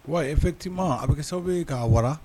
Wa efitima a bɛ kɛ sababu bɛ kaa wa